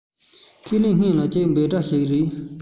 ཁས ལེན སྔོན ལ གཅིག འབོད སྒྲ ཞིག རེད